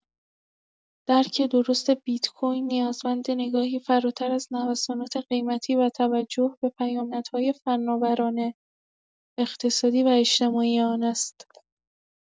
درک درست بیت‌کوین نیازمند نگاهی فراتر از نوسانات قیمتی و توجه به پیامدهای فناورانه، اقتصادی و اجتماعی آن است.